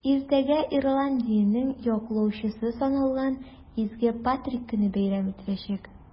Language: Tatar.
Иртәгә Ирландиянең яклаучысы саналган Изге Патрик көне бәйрәм ителәчәк.